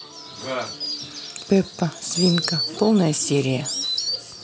пеппа свинка полная серия